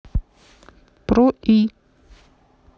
про и